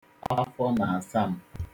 Afọ na-asa m.